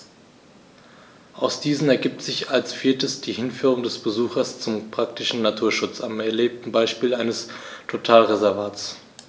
Aus diesen ergibt sich als viertes die Hinführung des Besuchers zum praktischen Naturschutz am erlebten Beispiel eines Totalreservats.